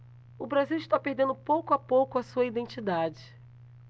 o brasil está perdendo pouco a pouco a sua identidade